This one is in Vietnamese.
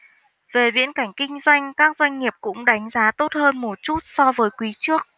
về viễn cảnh kinh doanh các doanh nghiệp cũng đánh giá tốt hơn một chút so với quý trước